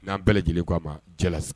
N'an bɛɛ lajɛlen k' a ma cɛla